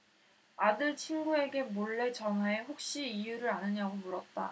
아들 친구에게 몰래 전화해 혹시 이유를 아느냐고 물었다